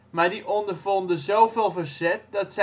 maar die ondervonden zoveel verzet dat